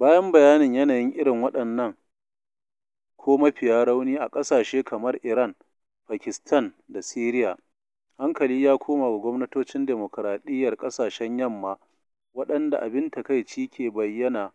Bayan bayanin yanayi irin waɗannan (ko mafiya muni) a ƙasashe kamar Iran, Pakistan da Siriya, hankali ya koma ga gwamnatocin dimokuraɗiyyar ƙasashen Yamma waɗanda abin takaici ke bayyana